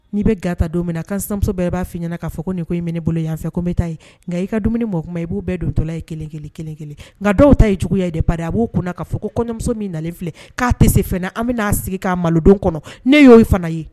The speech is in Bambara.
N'i bɛ gata don min na kanmuso bɛɛ b'a fɔ ɲɛna k'a fɔ ko nin ko i ne bolo yan fɛ ko n bɛ ta yen nka i ka dumuniini mɔgɔ kuma ma i b'u bɛɛ dontɔla ye kelen- kelenkelen nka dɔw ta ye juguyaya de ba a b'o kun k'a fɔ ko kɔɲɔmuso min nalen filɛ k'a tɛ se fɛ an bɛ n'a sigi k'a malodon kɔnɔ ne y'o fana ye